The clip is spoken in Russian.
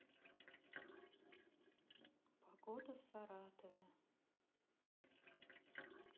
погода в саратове